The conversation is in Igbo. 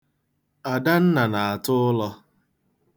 Adanna na-ata ụlọ.